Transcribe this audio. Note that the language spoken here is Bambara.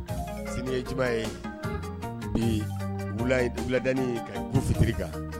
Sini ye nciba ye bi wulad ka gsitiri kan